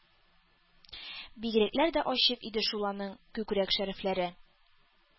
Бигрәкләр дә ачык иде шул аның күкрәк-шәрәфләре!